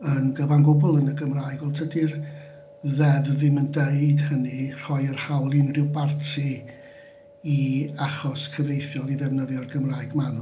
yn gyfan gwbl yn y Gymraeg. Ond tydi'r ddeddf ddim yn deud hynny, rhoi'r hawl i unrhyw barti i achos cyfreithiol i ddefnyddio'r Gymraeg maen nhw.